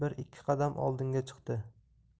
ikki qadam oldinga chiqdi